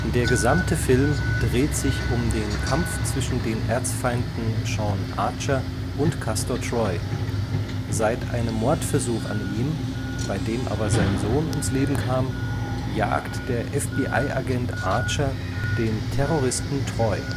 Der gesamte Film dreht sich um den Kampf zwischen den Erzfeinden Sean Archer und Castor Troy. Seit einem Mordversuch an ihm – bei dem aber sein Sohn ums Leben kam – jagt der FBI-Agent Archer den Terroristen Troy